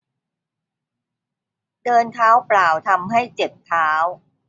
เดินเท้าเปล่าทำให้เจ็บเท้า